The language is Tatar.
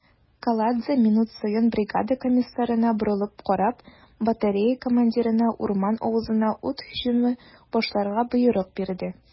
Каладзе, минут саен бригада комиссарына борылып карап, батарея командирына урман авызына ут һөҗүме башларга боерык бирде.